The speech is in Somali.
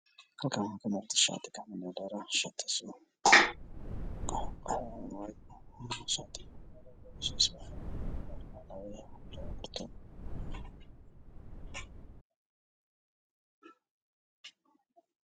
Halkaan waxaa ka muuqdo shaati gacmo dheera ah